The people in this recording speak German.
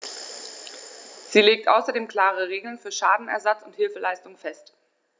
Sie legt außerdem klare Regeln für Schadenersatz und Hilfeleistung fest.